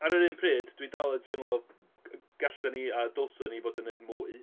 Ar yr un pryd, dwi dal yn teimlo gallwn ni a dylsen ni fod yn wneud mwy.